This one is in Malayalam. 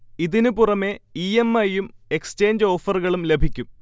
ഇതിന് പുറമെ ഇ. എം. ഐ. യും എക്സചേഞ്ച് ഓഫറുകളും ലഭിക്കും